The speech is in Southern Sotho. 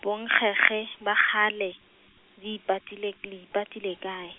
bonkgekge ba kgale, le ipatile, le ipatile kae?